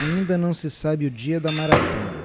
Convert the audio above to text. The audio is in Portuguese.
ainda não se sabe o dia da maratona